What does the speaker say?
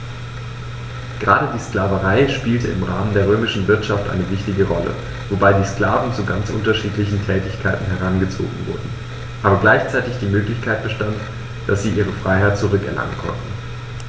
Gerade die Sklaverei spielte im Rahmen der römischen Wirtschaft eine wichtige Rolle, wobei die Sklaven zu ganz unterschiedlichen Tätigkeiten herangezogen wurden, aber gleichzeitig die Möglichkeit bestand, dass sie ihre Freiheit zurück erlangen konnten.